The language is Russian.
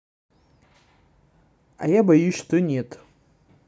а я боюсь что нет